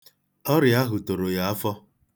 Ọrịa ahụ toro ya afọ.